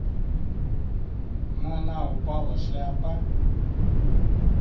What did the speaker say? на на упала шляпа